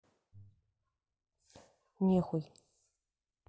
нехуй